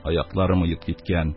Аякларым оеп киткән: